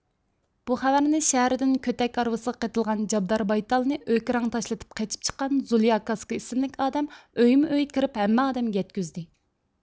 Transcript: بۇ خەۋەرنى شەھەردىن كۆتەك ھارۋىسىغا قېتىلغان چابدار بايتالنى ئۆكىرەڭ تاشلىتىپ قېچىپ چىققان زۇليا كاسكا ئىسىملىك ئادەم ئۆيمۇ ئۆي كىرىپ ھەممە ئادەمگە يەتكۈزدى